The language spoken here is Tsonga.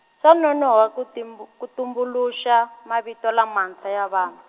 swa nonohwa ku timbu-, ku tumbuluxa, mavito lamantshwa ya vanhu.